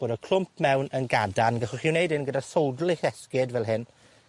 bod y clwmp mewn yn gadarn. Gellwch hi wneud 'yn gyda sowdl eich esgid fel hyn.